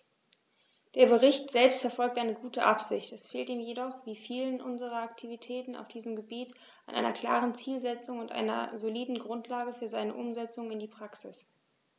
Der Bericht selbst verfolgt eine gute Absicht, es fehlt ihm jedoch wie vielen unserer Aktivitäten auf diesem Gebiet an einer klaren Zielsetzung und einer soliden Grundlage für seine Umsetzung in die Praxis.